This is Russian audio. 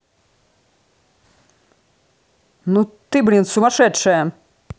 ну ты блин сумасшедшая